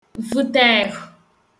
vuta ehụ̄